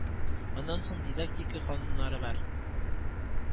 Аннан соң дидактика кануннары бар